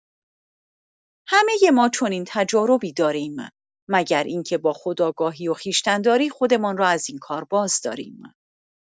همه ما چنین تجاربی داریم، مگر اینکه با خودآگاهی و خویشتن‌داری خودمان را ازاین کار بازداریم.